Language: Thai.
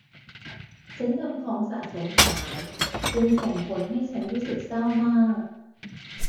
ฉันทำของสะสมหายจนส่งผลให้ฉันรู้สึกเศร้ามาก